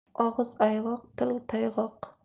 og'iz ayg'oq til toyg'oq